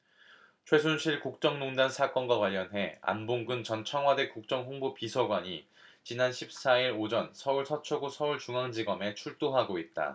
최순실 국정농단 사건과 관련해 안봉근 전 청와대 국정홍보비서관이 지난 십 사 일 오전 서울 서초구 서울중앙지검에 출두하고 있다